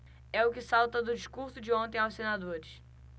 é o que salta do discurso de ontem aos senadores